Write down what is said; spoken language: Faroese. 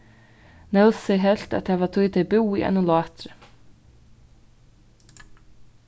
nósi helt at tað var tí at tey búðu í einum látri